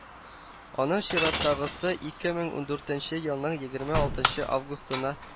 Аның чираттагысы ике мең ундуртенче елның егерме алтынчы августына